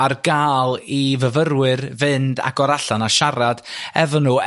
ar ga'l i fyfyrwyr fynd agor allan a siarad efo n'w.